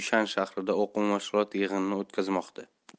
shahrida o'quv mashg'ulot yig'inini o'tkazmoqda